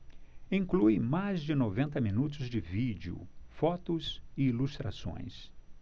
inclui mais de noventa minutos de vídeo fotos e ilustrações